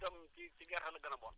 bokkut ak ar-ar bi loolu i ta